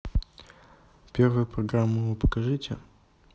первую программу покажите